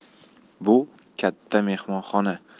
bu katta mehmonxona